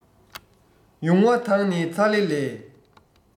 ཡུང བ དང ནི ཚ ལེ ལས